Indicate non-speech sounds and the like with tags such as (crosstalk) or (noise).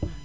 (noise) (hesitation) (hesitation)